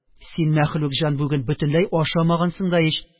– син, мәхлук җан, бүген бөтенләй ашамагансың да ич,